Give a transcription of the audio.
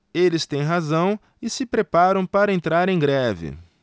eles têm razão e se preparam para entrar em greve